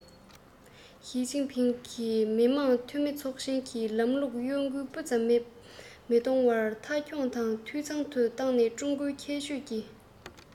ཞིས ཅིན ཕིང གིས མི དམངས འཐུས མི ཚོགས ཆེན གྱི ལམ ལུགས གཡོ འགུལ སྤུ ཙམ མི གཏོང བར མཐའ འཁྱོངས དང འཐུས ཚང དུ བཏང ནས ཀྲུང གོའི ཁྱད ཆོས ཀྱི